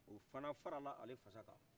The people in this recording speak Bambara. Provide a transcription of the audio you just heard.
o fana fara ale kan ka taa